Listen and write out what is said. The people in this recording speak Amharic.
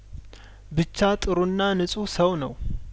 ብቻ ጥሩና ንጹህ ሰው ነው